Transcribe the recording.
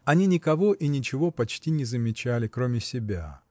Они никого и ничего почти не замечали, кроме себя.